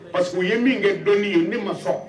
Parce que u ye min kɛ dɔnni ye ne ma sɔn